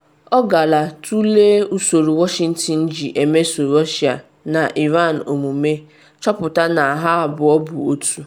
Ọ gara tulee usoro Washington ji emeso Russia na Iran omume, chọpụta na ha abụọ bụ otu.